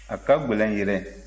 a ka gɛlɛn yɛrɛ